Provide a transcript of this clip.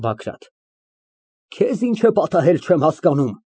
ԲԱԳՐԱՏ ֊ Քեզ ինչ է պատահել, չեմ հասկանում։